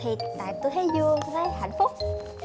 thì tại tui thấy vui quá hạnh phúc